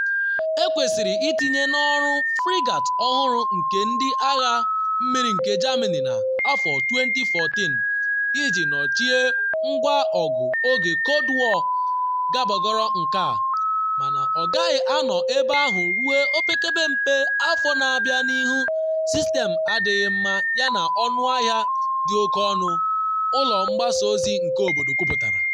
Ekwesịrị itinye n’ọrụ Frigate ọhụrụ nke Ndị Agha Mmiri nke Germany na 2014 iji nọchie ngwa ọgụ oge Cold War kabagoro nka, mana ọ gaghị anọ ebe ahụ ruo opekempe afọ na-abịa n’ihi sistem adịghị mma yana ọnụahịa dị oke ọnụ, ụlọ mgbasa ozi nke obodo kwuputara.